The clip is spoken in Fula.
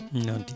noon tigui